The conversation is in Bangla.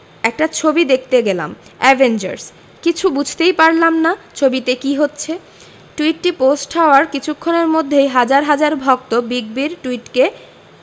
একটা ছবি দেখতে গেলাম অ্যাভেঞ্জার্স কিছু বুঝতেই পারলাম না ছবিতে কী হচ্ছে টুইটটি পোস্ট হওয়ার কিছুক্ষণের মধ্যেই হাজার হাজার ভক্ত বিগ বির টুইটকে